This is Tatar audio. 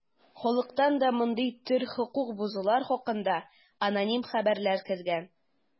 Халыктан да мондый төр хокук бозулар хакында аноним хәбәрләр кергән.